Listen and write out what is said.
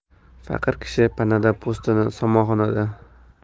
faqir kishi panada po'stini somonxonada